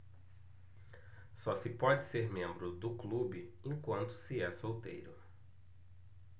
só se pode ser membro do clube enquanto se é solteiro